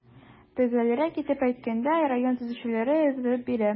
Төгәлрәк итеп әйткәндә, район төзүчеләре төзеп бирә.